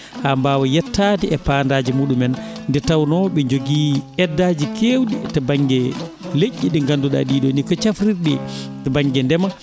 haa mbawa yettaade e paandaaje mumen nde tawnoo ɓe jogii aide daji keewɗi baŋnge leƴƴi ɗi ngannduɗaa ɗii ɗoo ni ko cafrirɗi baŋnge ndema